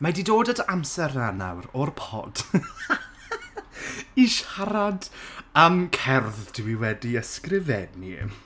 Mae 'di dod at yr amser 'na nawr o'r pod i siarad am cerdd dwi wedi ysgrifennu.